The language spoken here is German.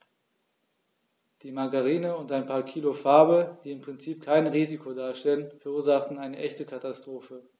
Die Margarine und ein paar Kilo Farbe, die im Prinzip kein Risiko darstellten, verursachten eine echte Katastrophe.